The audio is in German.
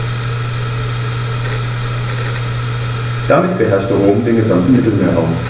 Damit beherrschte Rom den gesamten Mittelmeerraum.